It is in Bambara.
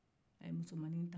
a ye musomannin in ta